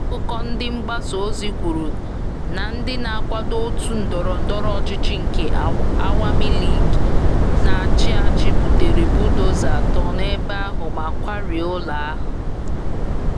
Akụkọ ndị mgbasa ozi kwuru na ndị na-akwado òtù ndọrọ ndọrọ ọchịchị nke Awami League (AL) na-achị achị butere budoza atọ n'ebe ahụ ma kwarie ụlọ ahụ.